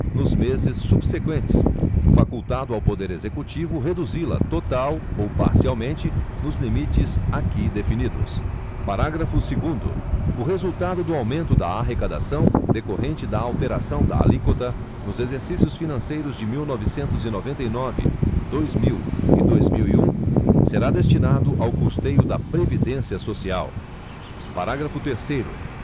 nos meses subseqüentes facultado ao poder executivo reduzi la total ou parcialmente nos limites aqui definidos parágrafo segundo o resultado do aumento da arrecadação decorrente da alteração da alíquota nos exercícios financeiros de mil novecentos e noventa e nove dois mil e dois mil e um será destinado ao custeio da previdência social parágrafo terceiro